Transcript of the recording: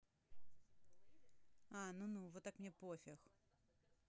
а ну ну вот так мне пофиг